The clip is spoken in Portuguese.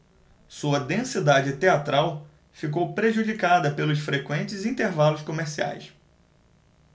sua densidade teatral ficou prejudicada pelos frequentes intervalos comerciais